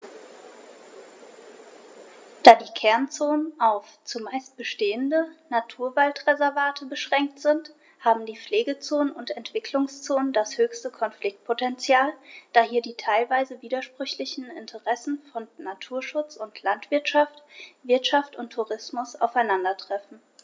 Da die Kernzonen auf – zumeist bestehende – Naturwaldreservate beschränkt sind, haben die Pflegezonen und Entwicklungszonen das höchste Konfliktpotential, da hier die teilweise widersprüchlichen Interessen von Naturschutz und Landwirtschaft, Wirtschaft und Tourismus aufeinandertreffen.